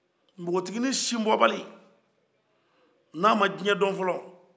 bogotigini sinbɔbali n'a ma diɲɛ dɔn fɔlɔ